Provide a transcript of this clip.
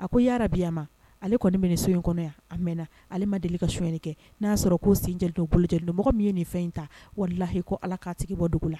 A ko yaara biya ma ale kɔni bɛ so in kɔnɔ yan a mɛnɛna ale ma deli ka soyni kɛ n'a y'a sɔrɔ ko sincɛ don bolojɛ don mɔgɔ min ye nin fɛn in ta walimala h ko ala k ka tigi bɔ dugu la